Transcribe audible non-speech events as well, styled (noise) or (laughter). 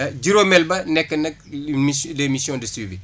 (hesitation) juróomeel ba nekk nag une miss des missions de suivie